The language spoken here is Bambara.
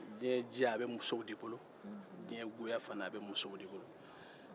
diɲɛ diya bɛ musow de bolo diɲɛ goya fana bɛ musow bolo